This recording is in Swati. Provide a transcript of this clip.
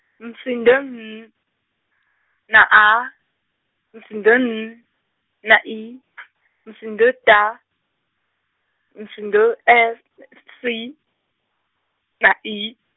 umsindo M, na A, umsindo N, na E , umsindo D, umsindo S C, na E.